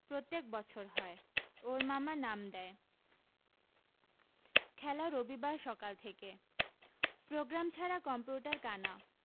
প্রত্যেক বছর হয় ওর মামা নাম দেয় খেলা রবিবার সকাল থেকে প্রোগ্রাম ছাড়া কম্পিউটার কানা